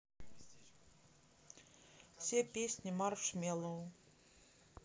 все песни маршмеллоу